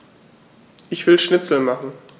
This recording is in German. Ich will Schnitzel machen.